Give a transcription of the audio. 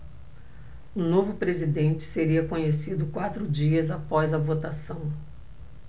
o novo presidente seria conhecido quatro dias após a votação